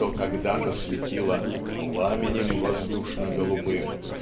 что когда-то светило "пламенем воздушно-голубым"